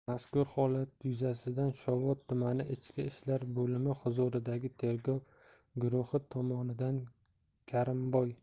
mazkur holat yuzasidan shovot tumani ichki ishlar boimi huzuridagi tergov guruhi tomonidan karimboy